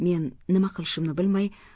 men nima qilishimni bilmay